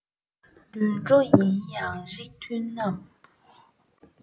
དུད འགྲོ ཡིན ཡང རིགས མཐུན རྣམས